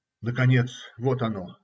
-------------- Наконец вот оно.